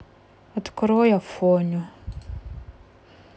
открой афоню